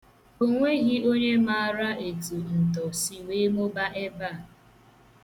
O nweghị onye maara etu ntọ si wee mụbaa ebe a.